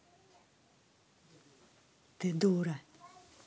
ты дура